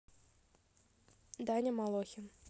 даня малохин